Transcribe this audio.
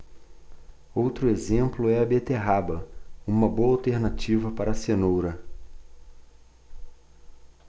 outro exemplo é a beterraba uma boa alternativa para a cenoura